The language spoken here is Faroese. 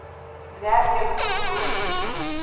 nær hevur tú tíð